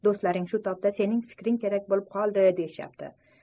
do'stlaring shu topda sening fikring kerak bo'p qoldi deyishayapti